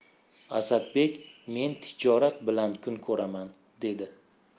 asadbek men tijorat bilan kun ko'raman dedi